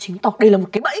chứng tỏ đây là một cái bẫy